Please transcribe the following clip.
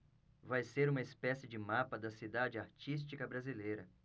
vai ser uma espécie de mapa da cidade artística brasileira